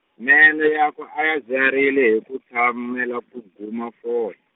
meno yakwe a ya dzwiharile hi ku tshamela ku guma fol-.